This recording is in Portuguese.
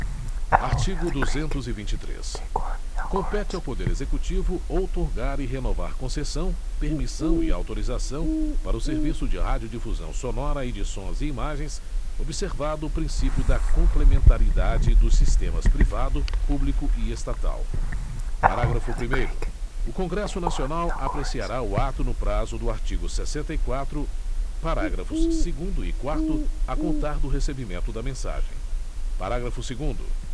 artigo duzentos e vinte e três compete ao poder executivo outorgar e renovar concessão permissão e autorização para o serviço de radiodifusão sonora e de sons e imagens observado o princípio da complementaridade dos sistemas privado público e estatal parágrafo primeiro o congresso nacional apreciará o ato no prazo do artigo sessenta e quatro parágrafos segundo e quarto a contar do recebimento da mensagem parágrafo segundo